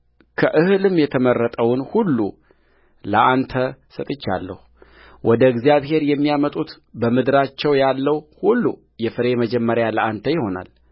ከእህልም የተመረጠውን ሁሉ ለአንተ ሰጥቼሃለሁወደ እግዚአብሔር የሚያመጡት በምድራቸው ያለው ሁሉ የፍሬ መጀመሪያ ለአንተ ይሆናል